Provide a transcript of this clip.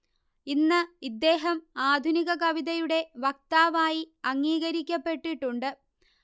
ഇന്ന് ഇദ്ദേഹം ആധുനിക കവിതയുടെ വക്താവായി അംഗീകരിക്കപ്പെട്ടിട്ടുണ്ട്